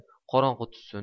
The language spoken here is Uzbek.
qorong'i tushsin